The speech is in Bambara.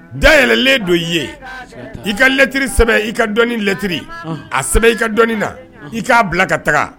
Da yɛlɛlen don i ye i kalɛttirisɛbɛ i ka dɔnlɛttiri a sɛbɛn i ka dɔni na i k'a bila ka taga